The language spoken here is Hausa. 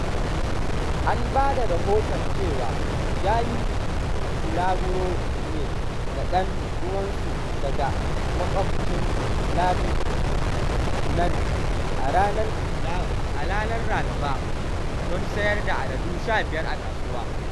An ba da rahoton cewa ya yi bulaguro ne da ɗan uwansa daga makwaɓcin lardin Yunnan a ranar Laraba don sayar da aladu 15 a kasuwar.